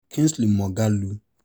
Kingsley Moghalu